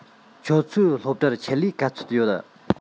ཁྱོད ཚོའི སློབ གྲྭར ཆེད ལས ག ཚོད ཡོད